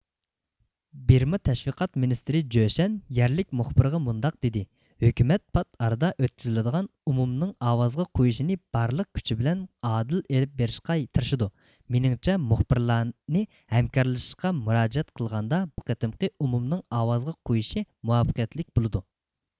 بىرما تەشۋىقات مىنىستىرى جۆشەن يەرلىك مۇخبىرغا مۇنداق دېدى ھۆكۈمەت پات ئارىدا ئۆتكۈزۈلىدىغان ئومۇمنىڭ ئاۋازىغا قويۇشىنى بارلىق كۈچى بىلەن ئادىل ئېلىپ بېرىشقا تىرىشىدۇ مېنىڭچە مۇخبىرلارنى ھەمكارلىشىشقا مۇراجىئەت قىلغاندا بۇ قېتىمقى ئومۇمنىڭ ئاۋازىغا قويۇشى مۇۋەپپەقىيەتلىك بولىدۇ